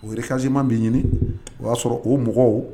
Okasiiman bɛ ɲini o y'a sɔrɔ o mɔgɔw